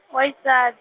wa xisa-.